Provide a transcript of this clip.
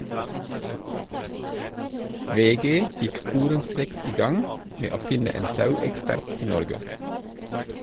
VG gikk sporenstreks i gang med å finne en sauekspert i Norge.